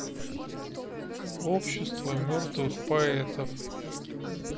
общество мертвых поэтов